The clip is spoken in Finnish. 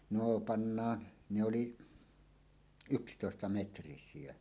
no pannaan ne oli yksitoistametrisiä